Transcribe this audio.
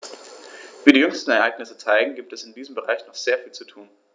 Wie die jüngsten Ereignisse zeigen, gibt es in diesem Bereich noch sehr viel zu tun.